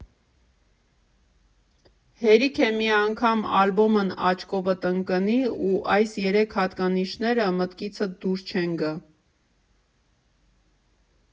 Հերիք է մի անգամ ալբոմն աչքովդ ընկնի, ու այս երեք հատկանիշները մտքիցդ դուրս չեն գա։